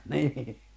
niin